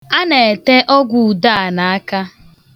A na-ete ọgwụude a n'aka.